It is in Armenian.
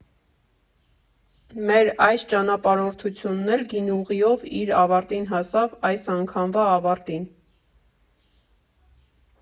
Մեր այս ճանապարհորդությունն էլ գինուղիով իր ավարտին հասավ այս անգամվա ավարտին։